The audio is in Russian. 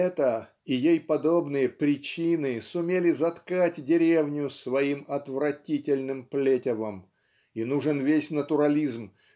Эта и ей подобные "причины" сумели заткать деревню своим отвратительным плетевом и нужен весь натурализм